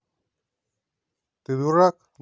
ты дурак да